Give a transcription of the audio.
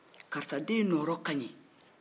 karisa den nɔrɔ kaɲi